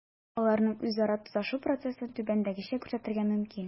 Аларның үзара тоташу процессын түбәндәгечә күрсәтергә мөмкин: